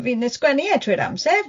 fi'n y sgwennu fe trwy'r amser